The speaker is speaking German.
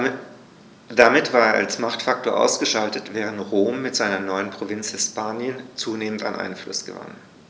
Damit war es als Machtfaktor ausgeschaltet, während Rom mit seiner neuen Provinz Hispanien zunehmend an Einfluss gewann.